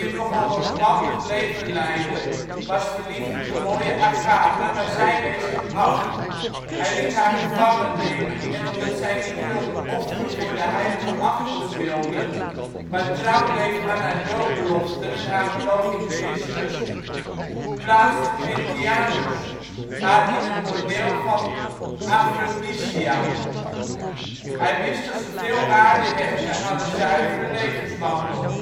nogal losbandig leven leidde, was verliefd op de mooie Agatha, maar zij wees hem af. Hij liet haar gevangennemen, en omdat zij niet wilde offeren voor de heidense afgodsbeelden, maar trouw bleef aan haar doopbeloften en haar geloof in Christus, plaatste Quintianus haar in het bordeel van Aphrodisia. Hij wist dat ze veel waarde hechtte aan een zuivere levenswandel